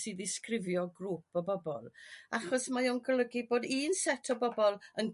i ddisgrifio grŵp o bobl achos mae o'n golygu bod un set o bobl yn